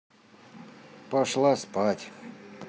пошла спать